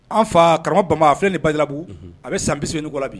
An fa karamɔgɔ ban filɛ ni balabu a bɛ san bi ɲini kɔ bi